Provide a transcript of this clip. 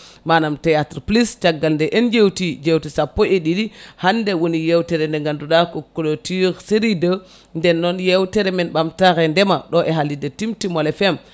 manam théâtre plus caggal nde en jewti jewte sappo e ɗiɗi hande woni yewtere nde ganduɗa ko cloture série 2 nden noon yewtere men ɓamtare ndeema ɗo e halirde Timtimol FM